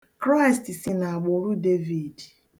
Kraịst si n'agbụrụ Devid.